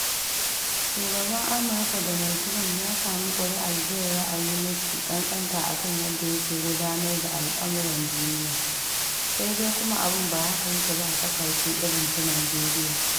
Shugaban Amurka Donald Trump ya samu ƙuri'ar jin ra'ayi mafi ƙanƙanta a kan yadda yake gudanar da al'amuran duniya, sai dai kuma abun ba haka yake ba a ƙasashe irinsu Nijeriya.